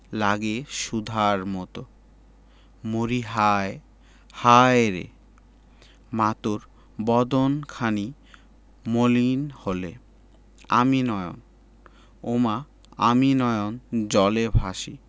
লাগে সুধার মতো মরিহায় হায়রে মা তোর বদন খানি মলিন হলে আমি নয়ন ওমা আমি নয়ন জলে ভাসি